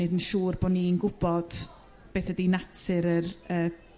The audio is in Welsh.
I neud yn siŵr bo' ni'n gw'bot beth ydi natur yr yrr